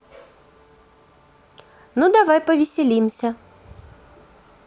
ну давай повеселимся